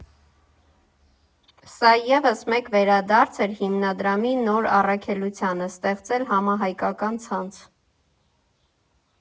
Սա ևս մեկ վերադարձ էր հիմնադրամի նոր առաքելությանը՝ ստեղծել համահայկական ցանց։